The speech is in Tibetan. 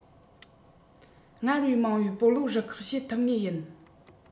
སྔར བས མང པའི སྤོ ལོ རུ ཁག བྱེད ཐུབ ངེས ཡིན